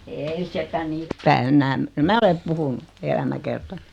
ei sitä niin päin enää minä olen puhunut elämäkertani